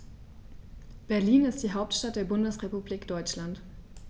Berlin ist die Hauptstadt der Bundesrepublik Deutschland.